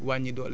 brise vent